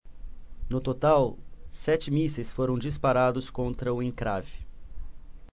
no total sete mísseis foram disparados contra o encrave